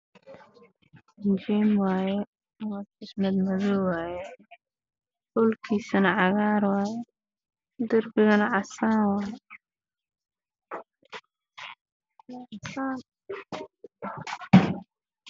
Qol weyo waxaa yaalo roog cagaar ah darbiga waa casaan